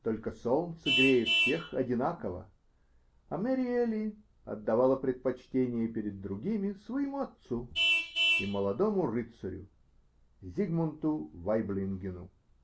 Только солнце греет всех одинаково, а Мэриели отдавала предпочтение перед другими своему отцу и молодому рыцарю Зигмунту Вайблингену.